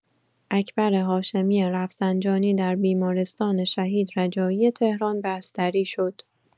اکبر هاشمی رفسنجانی در بیمارستان شهید رجایی تهران بستری شد.